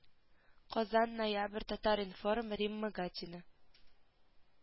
Казан ноябрь татар-информ римма гатина